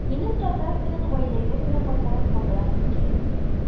Минем татар телен гаиләгә генә кайтарып калдырасым килми.